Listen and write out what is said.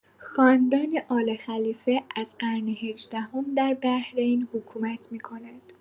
خاندان آل‌خلیفه از قرن هجدهم در بحرین حکومت می‌کنند.